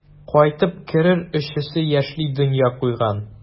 Кайтып керер өчесе яшьли дөнья куйган.